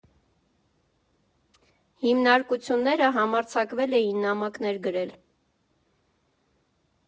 Հիմնարկությունները համարձակվել էին նամակներ գրել.